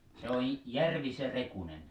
se oli järvi se Rekunen